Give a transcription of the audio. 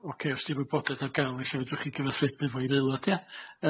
Ocê os 'di wybodaeth ar ga'l felly fedrwch chi gyfathrebu fo i'r eulod ia?